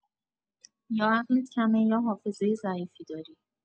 یا عقلت کمه یا حافظه ضعیفی داری!